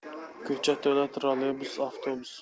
ko'cha to'la trollobus aptobus